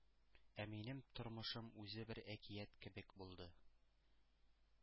Ә минем тормышым үзе бер әкият кебек булды.